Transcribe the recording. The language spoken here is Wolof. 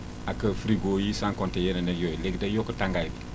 ak frigo yi sans compter yeneen ak yooyu léegi day yokk tàngaay bi